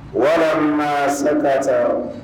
Walimaba se ka tɛ